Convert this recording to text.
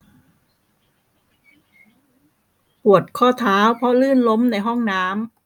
ปวดข้อเท้าเพราะลื่นล้มในห้องน้ำ